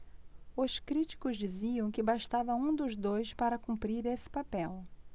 os críticos diziam que bastava um dos dois para cumprir esse papel